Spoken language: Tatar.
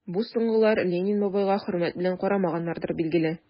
Бу соңгылар Ленин бабайга хөрмәт белән карамаганнардыр, билгеле...